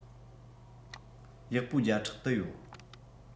ཡག པོ བརྒྱ ཕྲག དུ ཡོད